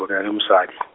bona le mosadi.